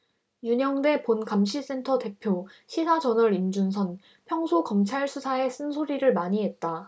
윤영대 본감시센터 대표 시사저널 임준선 평소 검찰수사에 쓴소리를 많이 했다